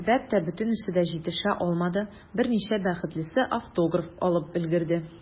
Әлбәттә, бөтенесе дә җитешә алмады, берничә бәхетлесе автограф алып өлгерде.